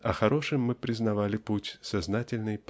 а хорошим мы признавали путь сознательной